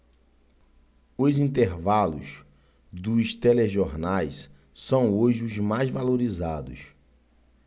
os intervalos dos telejornais são hoje os mais valorizados